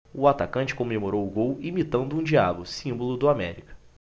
o atacante comemorou o gol imitando um diabo símbolo do américa